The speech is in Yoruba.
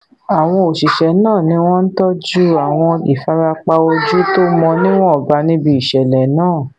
Àwọn òṣiṣẹ́ náà níwọ́n tọ́jú àwọn ìfarapa ojú tómọ̀ níwọ̀nba níbi ìṣẹ̀lẹ̀ náà.